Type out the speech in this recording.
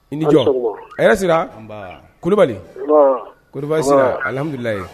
I ni jɔn, a' ni sɔgɔma hɛrɛ sira, anba, a sila Kulubali, kɔri baasi t'i la, anba, alihamudulilayi